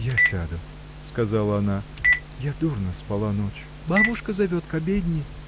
— Я сяду, — сказала она, — я дурно спала ночь. — Бабушка зовет к обедне.